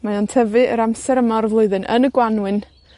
Mae o'n tyfu yr amser yma o'r flwyddyn. Yn y Gwanwyn